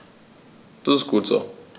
Das ist gut so.